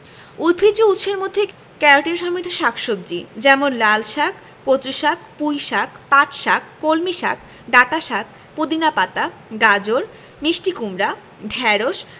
উদ্ভিজ্জ উৎসের মধ্যে ক্যারোটিন সমৃদ্ধ শাক সবজি যেমন লালশাক কচুশাক পুঁইশাক পাটশাক কলমিশাক ডাঁটাশাক পুদিনা পাতা গাজর মিষ্টি কুমড়া ঢেঁড়স